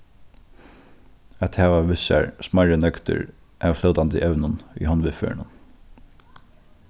at hava við sær smærri nøgdir av flótandi evnum í hondviðførinum